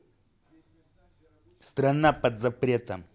страна под запретом